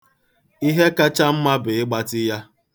Ihe kacha mma bụ ịgbatị ya.